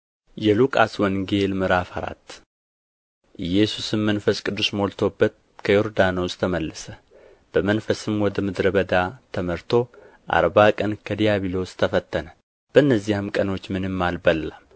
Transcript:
የሉቃስ ወንጌል ምዕራፍ አራት ኢየሱስም መንፈስ ቅዱስ መልቶበት ከዮርዳኖስ ተመለሰ በመንፈስም ወደ ምድረ በዳ ተመርቶ አርባ ቀን ከዲያብሎስ ተፈተነ በነዚያም ቀኖች ምንም አልበላም